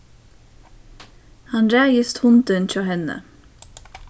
hann ræðist hundin hjá henni